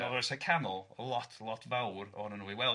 ma'r orsau canol lot lot fawr o'nyn nhw i weld.